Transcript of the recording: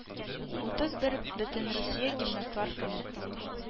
Утыз бер бөтенрусия гимнастлар көне